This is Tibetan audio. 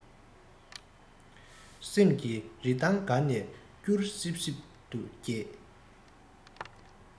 སེམས ཀྱི རི ཐང བརྒལ ནས སྐྱུར སིབ སིབ ཏུ གྱེས